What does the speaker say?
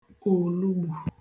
òlugbù